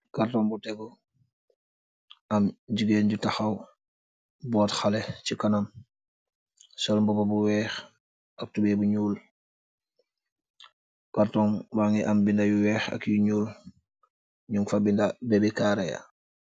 Carton bu tegu am jigéen ju taxaw boot xaleh ci kanam sool mbuba bu weex ak tubei bu nuul carton ba ngi am binda yu weex ak yu nuul num fa binda bebi kaareya.